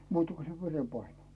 muuta kuin se verenpaine